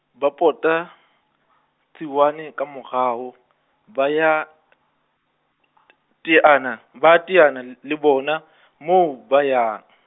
ba pota , Tsikwane ka morao, ba ya , t- teana, baa teana l-, le bona, moo ba yang.